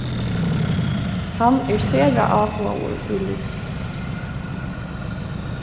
hann er sera áhugaður í list